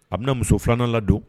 A bena muso 2 nan la don